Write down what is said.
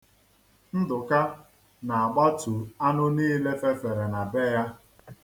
Nduka na-agbatu anụ niile fefere na be ya.